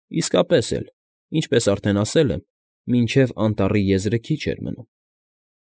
Իսկապես էլ, ինչպես արդեն ասել եմ, մինչև անտառի եզրը քիչ էր մնում։